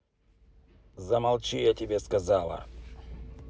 замолчи я тебе сказала